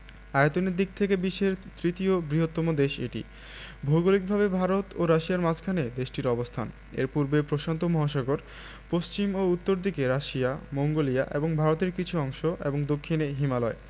আয়তনের দিক থেকে বিশ্বের তৃতীয় বৃহত্তম দেশ এটি ভৌগলিকভাবে ভারত ও রাশিয়ার মাঝখানে দেশটির অবস্থান এর পূর্বে প্রশান্ত মহাসাগর পশ্চিম ও উত্তর দিকে রাশিয়া মঙ্গোলিয়া এবং ভারতের কিছু অংশ এবং দক্ষিনে হিমালয়